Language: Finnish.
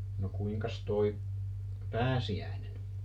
no kuinkas tuo pääsiäinen